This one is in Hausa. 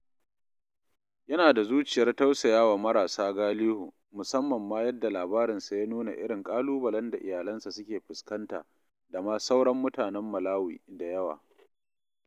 Yana da zuciyar tausaya wa marasa galiho, musamman ma yadda labarinsa ya nuna irin ƙalubalen da iyalansa suke fuskanta da ma sauran mutanen Malawi da yawa.